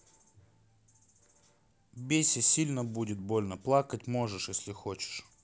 бейся сильно будет больно плакать может если хочешь